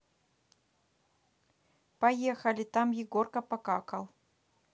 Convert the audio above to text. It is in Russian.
поехали там егорка покакал